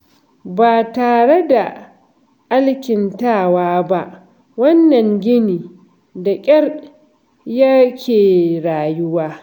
Ba tare da alkintawa ba, wannan gini da ƙyar yake rayuwa.